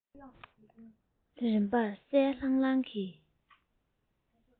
རིམ པར གསལ ལྷང ལྷང གི